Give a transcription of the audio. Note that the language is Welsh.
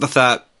...fatha,